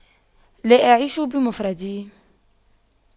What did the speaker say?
لا أعيش بمفردي